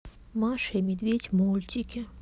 маша и медведь мультики